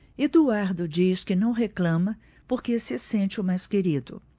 eduardo diz que não reclama porque se sente o mais querido